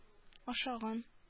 Ашаган